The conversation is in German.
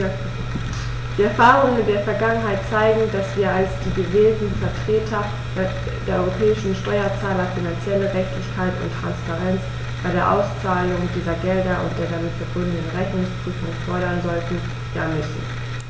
Die Erfahrungen der Vergangenheit zeigen, dass wir als die gewählten Vertreter der europäischen Steuerzahler finanzielle Redlichkeit und Transparenz bei der Auszahlung dieser Gelder und der damit verbundenen Rechnungsprüfung fordern sollten, ja müssen.